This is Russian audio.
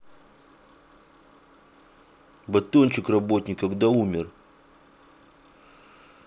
батончик работник когда умер